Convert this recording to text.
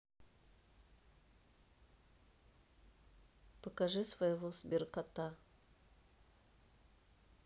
покажи своего сберкота